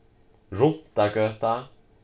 runtagøta